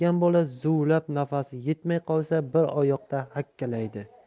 bola zuvlab nafasi yetmay qolsa bir oyoqda hakkalaydi